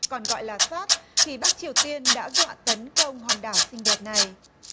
còn gọi là sát thì bắc triều tiên đã dọa tấn công hòn đảo xinh đẹp này